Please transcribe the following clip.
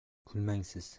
kulmang siz